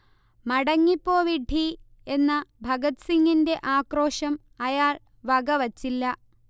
'മടങ്ങിപ്പോ വിഡ്ഢീ' എന്ന ഭഗത്സിങ്ങിന്റെ ആക്രോശം അയാൾ വകവച്ചില്ല